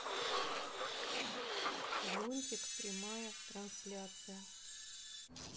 лунтик прямая трансляция